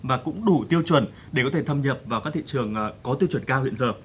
và cũng đủ tiêu chuẩn để có thể thâm nhập vào các thị trường có tiêu chuẩn cao hiện giờ